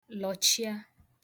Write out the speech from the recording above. lọ̀chịa